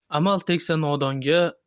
amal tegsa nodonga